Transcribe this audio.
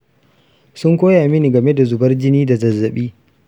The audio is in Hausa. sun koya mini game da zubar jini da zazzabi.